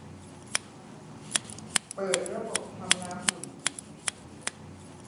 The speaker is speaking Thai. เปิดระบบทำน้ำอุ่น